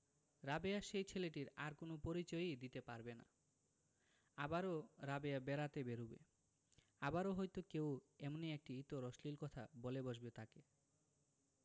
রাবেয়া সেই ছেলেটির আর কোন পরিচয়ই দিতে পারবে না আবারও রাবেয়া বেড়াতে বেরুবে আবারো হয়তো কেউ এমনি একটি ইতর অশ্লীল কথা বলে বসবে তাকে